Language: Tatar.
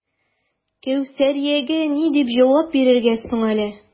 Кәүсәриягә ни дип җавап бирергә соң әле?